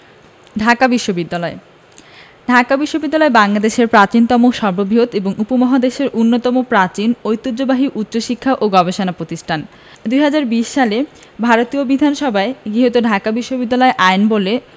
ঢাকা বিশ্ববিদ্যালয় ঢাকা বিশ্ববিদ্যালয় বাংলাদেশের প্রাচীনতম সর্ববৃহৎ এবং উপমহাদেশের অন্যতম প্রাচীন ঐতিহ্যবাহী উচ্চশিক্ষা ও গবেষণা প্রতিষ্ঠান ১৯২০ সালে ভারতীয় বিধানসভায় গৃহীত ঢাকা বিশ্ববিদ্যালয় আইনবলে